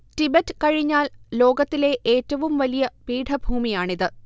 Tibet കഴിഞ്ഞാൽ ലോകത്തിലെ ഏറ്റവും വലിയ പീഠഭൂമിയാണിത്